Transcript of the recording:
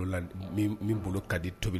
La n min bolo ka di tobi